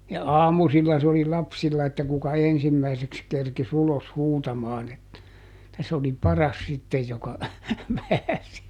ja aamusilla se oli lapsilla että kuka ensimmäiseksi kerkisi ulos huutamaan - että se oli paras sitten joka pääsi